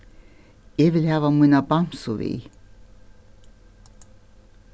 eg vil hava mína bamsu við